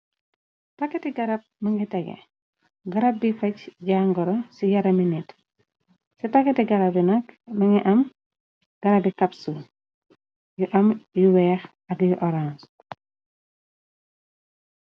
Pakketi garab mungi tegeh garab bi fej jangoro ci yaram mi nit ci pakketi garab yi nak mungi am garab bi kapsul yu am yu wèèx ak yi orans.